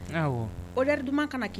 Awɔ, odeur _ duman ka na kɛ.